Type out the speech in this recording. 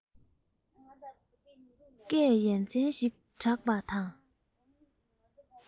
སྐད ཡ མཚན ཞིག གྲགས པ དང